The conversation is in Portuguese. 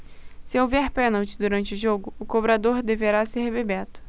se houver pênalti durante o jogo o cobrador deverá ser bebeto